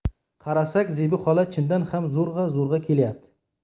qarasak zebi xola chindan ham zo'rg'a zo'rg'a kelyapti